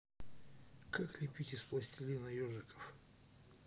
как лепить из пластилина ежиков